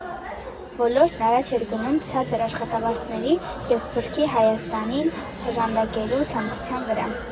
Ոլորտն առաջ էր գնում ցածր աշխատավարձերի և Սփյուռքի՝ Հայաստանին օժանդակելու ցանկության վրա։